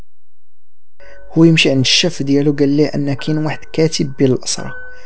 وين شفتي لو قال لي انك كاتب